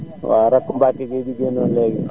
waaw raku Mbacke Gueye bi génnoon léegi